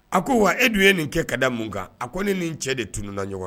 A ko wa e dun ye nin kɛ ka da mun kan a ko ni nin cɛ de tununna ɲɔgɔn